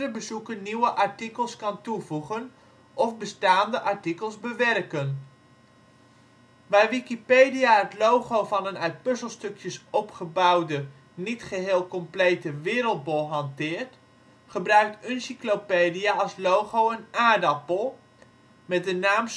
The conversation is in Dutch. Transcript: bezoeker nieuwe artikels kan toevoegen of bestaande artikels bewerken. Waar Wikipedia het logo van een uit puzzelstukjes opgebouwde, niet geheel complete wereldbol hanteert, gebruikt Uncyclopedia als logo een aardappel, met de naam